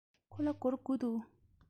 ཁོ ལ སྒོར དགུ འདུག